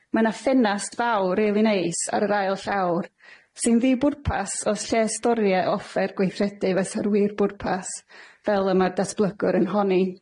Ma' 'na ffenast fawr rili neis ar yr ail llawr sy'n ddi-bwrpas os lle storie offer gweithredu fysa'r wir bwrpas, fel y ma'r datblygwr yn honni.